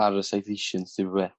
ar y citations teip o beth